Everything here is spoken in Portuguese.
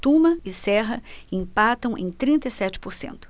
tuma e serra empatam em trinta e sete por cento